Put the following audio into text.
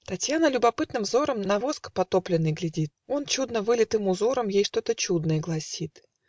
Татьяна любопытным взором На воск потопленный глядит: Он чудно вылитым узором Ей что-то чудное гласит